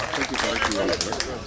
waaw tekki ko rek ci wolof rek